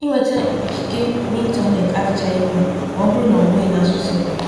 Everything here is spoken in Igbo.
Ịnweta ikike n'ịntanetị adịchaghị mma ma ọ bụrụ na ọ bụghị n'asụsụ gị!